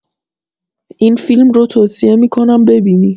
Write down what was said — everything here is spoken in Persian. این فیلم رو توصیه می‌کنم ببینی!